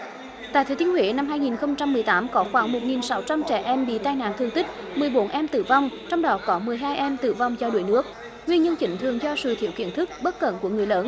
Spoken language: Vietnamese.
tại thừa thiên huế năm hai nghìn không trăm mười tám có khoảng một nghìn sáu trăm trẻ em bị tai nạn thương tích mười bốn em tử vong trong đó có mười hai em tử vong do đuối nước nguyên nhân chấn thương do sự thiếu kiến thức bất cẩn của người lớn